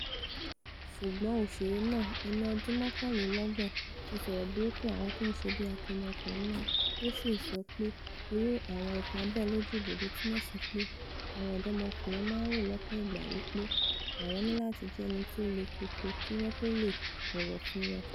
Ṣùgbọ́n òṣèré náà, ẹni ọdún mọ́kànlélọ́gbọ̀n, ti sọ̀rọ̀ burúkú àwọn tóńṣe bí akọni ọkùnrin náà, tó sì ńs̵ọpé irú àwọn ipa bẹ́ẹ̀ lójú ìbòjú túmọ̀sí pé àwọn ọ̀dọ́mọkùnrin máa ńrò lọ́pọ̀ ìgbà wí pé àwọn níláti jẹ́ ẹniti o le koko kí wọ́n tó leè bọ̀wọ̀ fún wọn.